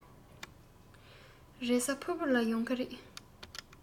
རེས གཟའ ཕུར བུ ལ ཡོང གི རེད